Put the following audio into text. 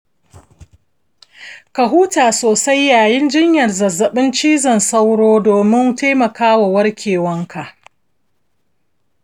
ka huta sosai yayin jinyar zazzaɓin cizon sauro domin taimakawa warkewanka